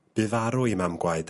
Bu farw 'i mam gwaed...